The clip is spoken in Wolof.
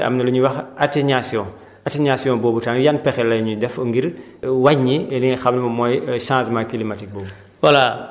wante tamit am na lu ñuy wax atténuation atténuation boobu tam yan pexe la ñuy def ngir wàññi li nga xam mooy changement climatique boobu